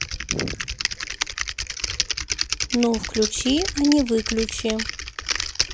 ну включи а не выключи